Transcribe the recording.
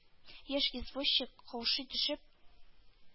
Яшь извозчик, каушый төшеп,